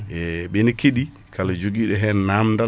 e ɓena keeɗi kala jooguiɗo hen namdal